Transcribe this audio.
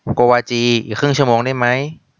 โกวาจีอีกครึ่งชั่วโมงได้ไหม